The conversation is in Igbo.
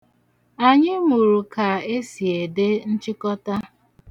Anyị mụrụ ka esi ede nchịkọta.